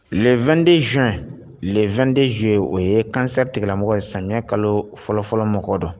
2den zu le2den zo ye o ye kansɛ tigɛlamɔgɔ ye samiyɛ kalo fɔlɔfɔlɔ mɔgɔ dɔn